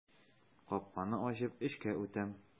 Капканы ачып эчкә үтәм.